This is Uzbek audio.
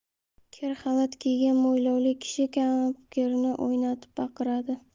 kir xalat kiygan mo'ylovli kishi kapgirni o'ynatib baqiradi